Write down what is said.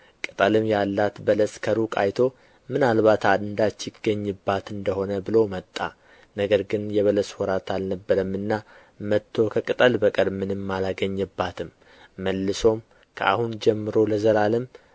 ቅጠልም ያላት በለስ ከሩቅ አይቶ ምናልባት አንዳች ይገኝባት እንደ ሆነ ብሎ መጣ ነገር ግን የበለስ ወራት አልነበረምና መጥቶ ከቅጠል በቀር ምንም አላገኘባትም መልሶም ከአሁን ጀምሮ ለዘላለም